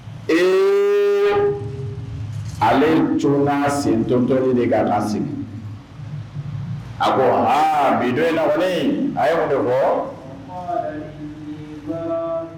Ee ale tun sentɔn dɔ de' da sigi a ko h bi dɔ in nafi a ye o de kɔ